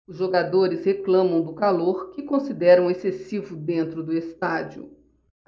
os jogadores reclamam do calor que consideram excessivo dentro do estádio